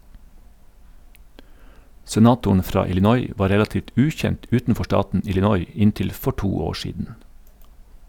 Senatoren fra Illinois var relativt ukjent utenfor staten Illinois inntil for to år siden.